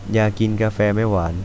อยากกินกาแฟไม่หวาน